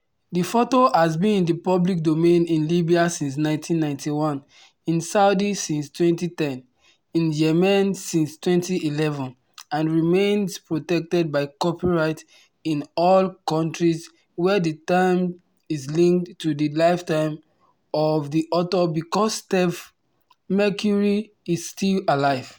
The photo has been in the pubic domain in Libya since 1991, in Saudi since 2010, in Yemen since 2011, and remains protected by copyright in all countries where the term is linked to the lifetime of the author because Steve McCurry is still alive.